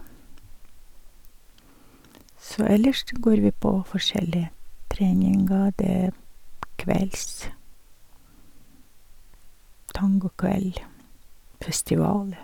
Så ellers går vi på forskjellig treninger, det er p kvelds tangokveld, festivaler.